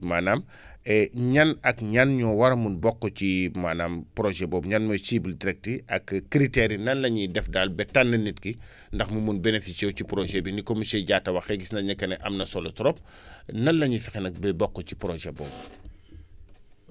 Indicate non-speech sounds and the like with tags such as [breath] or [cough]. maanaam [breath] [hesitation] ñan ak ñan ñoo war a mun bokk ci maanaam projet boobu ñan ñooy cibles directs yi ak critères yi nan la ñuy def daal ba tànn nit ki [breath] ndax mu mun bénéficier wu ci projet bi ni ko monsieur Diatta waxee gis nañ ne que ne am na solo trop [breath] lan la ñuy fexe nag ba bokk ci projet boobu [noise]